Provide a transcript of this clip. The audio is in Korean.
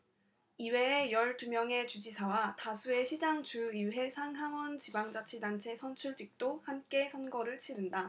이외에 열 두 명의 주지사와 다수의 시장 주 의회 상 하원 지방자치단체 선출직도 함께 선거를 치른다